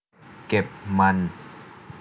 เก็บมัน